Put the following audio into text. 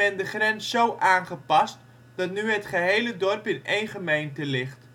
de grens zo aangepast dat nu het gehele dorp in één gemeente ligt